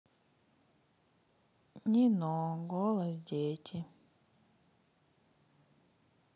нино голос дети